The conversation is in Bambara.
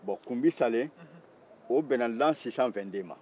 bon kumbisalen o bɛnna lan sisisan wɛnde